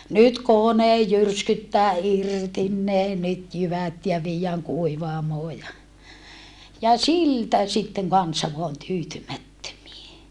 nyt kone jyrskyttää irti ne nyt jyvät ja viedään kuivaamoon ja ja siltä sitten kansa vain tyytymättömiä